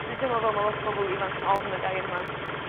Dwi'n teimlo fel ma' lot o bobol ifanc yn ofn y gair 'ma.